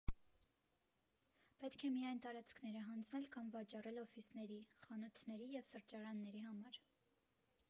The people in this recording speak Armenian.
Պետք է միայն տարածքները հանձնել կամ վաճառել օֆիսների, խանութների և սրճարանների համար։